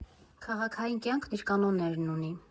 «Քաղաքային կյանքն իր կանոններն ունի»